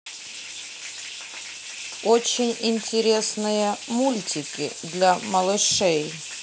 очень интересные мультики для малышей